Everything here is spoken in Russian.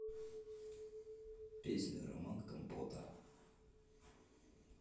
песня роман компота